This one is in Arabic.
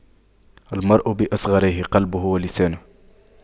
المرء بأصغريه قلبه ولسانه